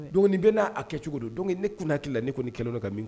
Don bɛ n'a kɛ cogo don don ne kunnati la ne kɔni kɛlɛ ka min